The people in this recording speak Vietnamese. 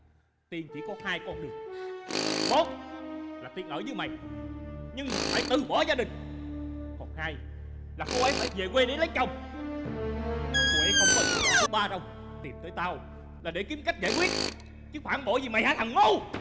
tiên chỉ có hai con đường một là tiên ở giới mày nhưng mà phải từ bỏ gia đình còn hai là cô ấy phải về quê đi lấy chồng cô ấy không có lựa chọn thứ ba đâu tìm tới tao là để kiếm cách giải quyết chứ phản bội gì mày hả thằng ngu